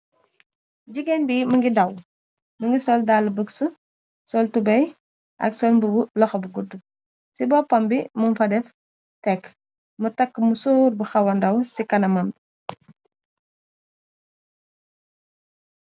Jigéen bi mongi daw mongi sol daala bods sol tubey ak sol mbubu loxo bu guda ci boppam bi mung fa def tekk mu takka musóor bu xawandaw ci kanamam.